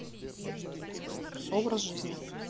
образ жизни